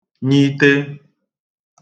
-nyite